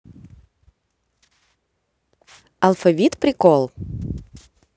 алфавит прикол